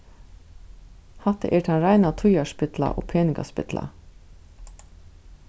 hatta er tann reina tíðarspilla og peningaspilla